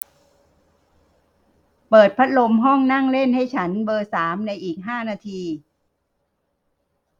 เปิดพัดลมห้องนั่งเล่นให้ฉันเบอร์สามในอีกห้านาที